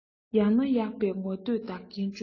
ཡག ན ཡག པས ངོ བསྟོད བདག རྐྱེན སྤྲོད